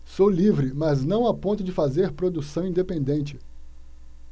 sou livre mas não a ponto de fazer produção independente